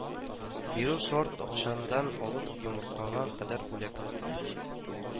Бирү шарт, акчадан алып йомыркага кадәр бүләк